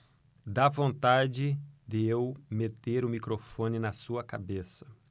dá vontade de eu meter o microfone na sua cabeça